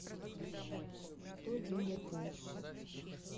что делать дальше